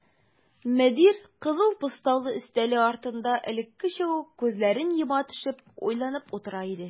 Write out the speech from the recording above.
Мөдир кызыл постаулы өстәле артында элеккечә үк күзләрен йома төшеп уйланып утыра иде.